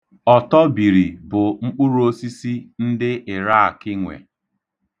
Ọtọbiri bụ mkpụrụosisi ndị Ịrak nwe.